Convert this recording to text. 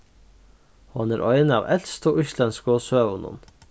hon er ein av elstu íslendsku søgunum